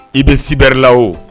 I bɛ cyber la o